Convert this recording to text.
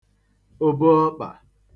oboọkpà